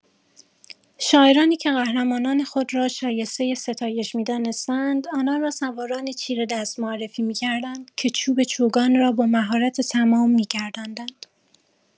شاعرانی که قهرمانان خود را شایسته ستایش می‌دانستند، آنان را سوارانی چیره‌دست معرفی می‌کردند که چوب چوگان را با مهارت تمام می‌گرداندند.